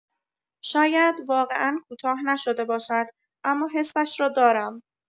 شاید واقعا کوتاه نشده باشد، اما حسش را دارم.